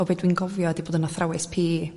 o be' dwi'n gofio 'di bod yn athrawes pi i